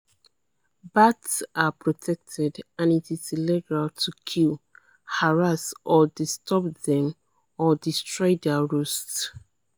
Bats are protected and it is illegal to kill, harass or disturb them or destroy their roosts.